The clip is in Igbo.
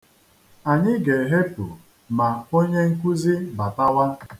Anyị ga-ehepu ma onye nkuzi batawa.